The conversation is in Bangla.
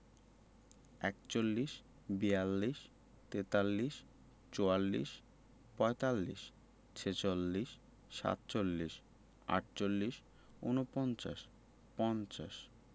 ৪১ - একচল্লিশ ৪২ - বিয়াল্লিশ ৪৩ - তেতাল্লিশ ৪৪ – চুয়াল্লিশ ৪৫ - পঁয়তাল্লিশ ৪৬ - ছেচল্লিশ ৪৭ - সাতচল্লিশ ৪৮ -আটচল্লিশ ৪৯ – উনপঞ্চাশ ৫০ - পঞ্চাশ